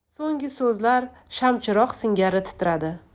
so'nggi so'zlar shamchiroq singari titradi